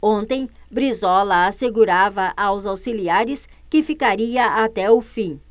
ontem brizola assegurava aos auxiliares que ficaria até o fim